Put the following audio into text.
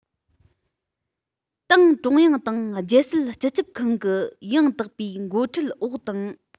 ཏང ཀྲུང དབྱང དང རྒྱལ སྲིད སྤྱི ཁྱབ ཁང གི ཡང དག པའི འགོ ཁྲིད འོག དང